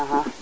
axa